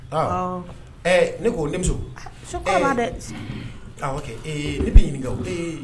Aa ɛɛ ne k koo nemuso dɛ ne bɛ ɲinikaw ee